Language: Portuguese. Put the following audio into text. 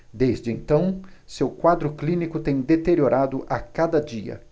desde então seu quadro clínico tem deteriorado a cada dia